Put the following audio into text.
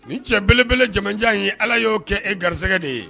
Nin cɛ belebele jamanajan in ye ala y'o kɛ e garisɛgɛ de ye